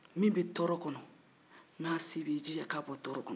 min bɛ tɔɔrɔ kɔnɔ n'a se b'i ye i jija i k'a bɔ tɔɔrɔ kɔnɔ